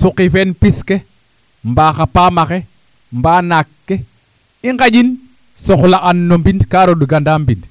soqi fee no pis ke mbaa xa paam axe mbaa naak ke i ngaƴin soxla'an no mbind ka roganda mbind